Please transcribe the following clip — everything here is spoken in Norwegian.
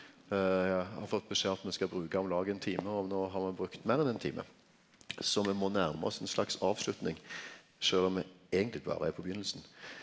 eg har fått beskjed at me skal bruka om lag ein time og nå har ein brukt meir enn ein time, så me må nærma oss ein slags avslutning sjølv om me eigentleg berre er på byrjinga.